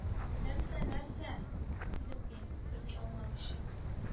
— нәрсә, нәрсә? — дидем мин, берни аңламыйча